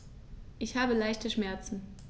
Ich habe leichte Schmerzen.